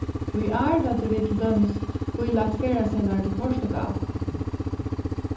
í ár høvdu vit til dømis bílagt ferðaseðlar til portugal